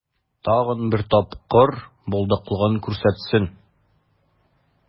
Тагын бер тапкыр булдыклылыгын күрсәтсен.